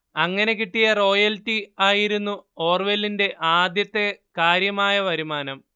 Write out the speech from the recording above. അങ്ങനെ കിട്ടിയ റോയൽറ്റി ആയിരുന്നു ഓർവെലിന്റെ ആദ്യത്തെ കാര്യമായ വരുമാനം